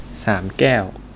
สามแก้ว